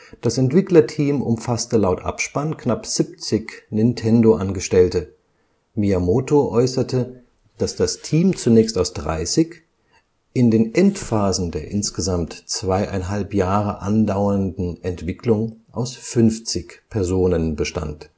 Das Entwicklerteam umfasste laut Abspann knapp 70 Nintendo-Angestellte; Miyamoto äußerte, dass das Team zunächst aus 30, in den Endphasen der insgesamt zweieinhalb Jahre andauernden Entwicklung aus 50 Personen bestand